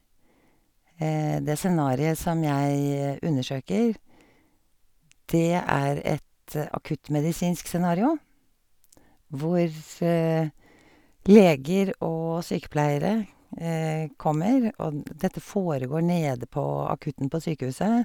Det scenariet som jeg undersøker, det er et akuttmedisinsk scenario hvor leger og sykepleiere kommer, og d dette foregår nede på akutten på sykehuset.